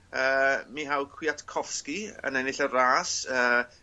Yy Michał Kwiatkowski yn ennill y ras yy.